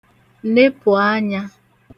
nepù anyā